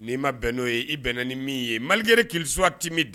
N'i ma bɛn n'o ye i bɛnna ni min ye malgré qu'il soit timide